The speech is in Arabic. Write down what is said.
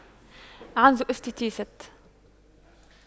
عنز استتيست